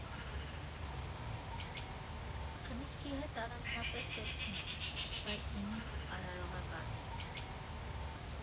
Խմիչքի հետ առանձնապես սեր չունեմ, բայց գինին արարողակարգ է։